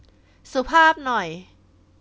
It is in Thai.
สุภาพหน่อย